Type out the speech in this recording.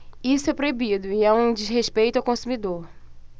isso é proibido e é um desrespeito ao consumidor